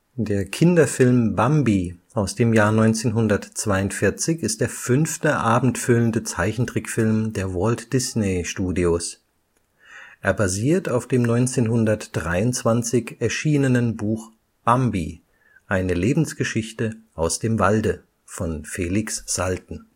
Der Kinderfilm Bambi aus dem Jahr 1942 ist der fünfte abendfüllende Zeichentrickfilm der Walt-Disney-Studios. Er basiert auf dem 1923 erschienenen Buch Bambi. Eine Lebensgeschichte aus dem Walde von Felix Salten